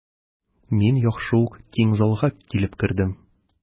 Мин яхшы ук киң залга килеп кердем.